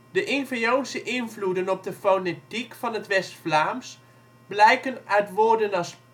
De Ingveoonse invloeden op de fonetiek van het West-Vlaams blijken uit woorden als